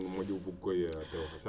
xam moƴo bug koy o tewo xe Sarr